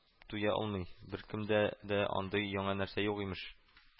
Туя алмый, беркемдә дә андый яңа нәрсә юк имеш